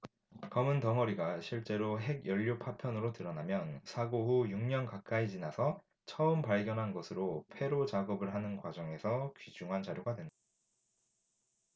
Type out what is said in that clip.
검은 덩어리가 실제로 핵연료 파편으로 드러나면 사고 후 육 년 가까이 지나서 처음 발견한 것으로 폐로작업을 하는 과정에서 귀중한 자료가 된다